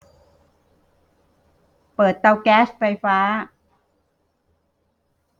เปิดเตาแก๊สไฟฟ้า